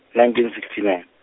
nineteen sixty nine.